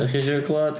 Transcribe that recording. Ydach chi isio clwyed?